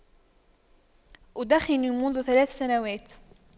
أدخن منذ ثلاث سنوات